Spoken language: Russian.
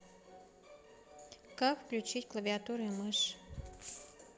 как включить клавиатуру и мышь